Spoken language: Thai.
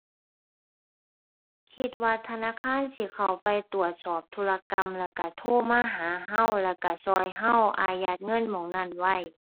คิดว่าธนาคารสิเข้าไปตรวจสอบธุรกรรม แล้วก็โทรมาหาก็ แล้วก็ก็ก็อายัดเงินหม้องนั้นไว้